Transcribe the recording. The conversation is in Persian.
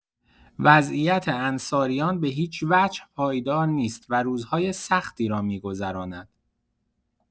وضعیت انصاریان به‌هیچ‌وجه پایدار نیست و روزهای سختی را می‌گذراند.